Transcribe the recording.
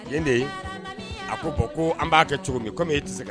Nin de ye a ko bɔn ko an b'a kɛ cogo min komi e tɛ